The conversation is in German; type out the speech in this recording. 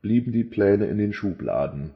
blieben die Pläne in den Schubladen